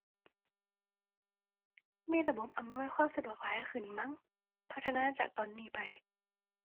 มีระบบอำนวยความสะดวกหลายขึ้นมั้ง พัฒนาจากตอนนี้ไป